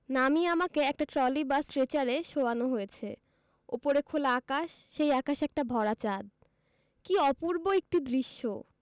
নামিয়ে আমাকে একটা ট্রলি বা স্ট্রেচারে শোয়ানো হয়েছে ওপরে খোলা আকাশ সেই আকাশে একটা ভরা চাঁদ কী অপূর্ব একটি দৃশ্য